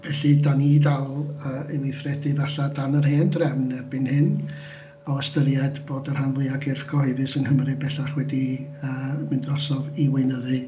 Felly dan ni dal yy i weithredu falle dan yr hen drefn erbyn hyn o ystyried bod y rhan fwya cyrff cyhoeddus yng Nghymru bellach wedi yy mynd drosodd i weinyddu.